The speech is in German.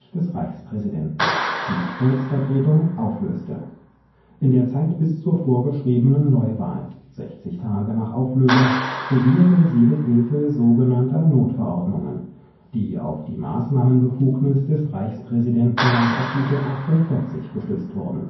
des Reichspräsidenten) die Volksvertretung auflöste. In der Zeit bis zur vorgeschriebenen Neuwahl (60 Tage nach Auflösung) regierte sie mit Hilfe sogenannten Notverordnungen, die auf die Maßnahmenbefugnis des Reichspräsidenten nach Artikel 48 gestützt wurden